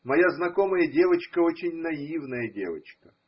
Моя знакомая девочка очень наивная девочка.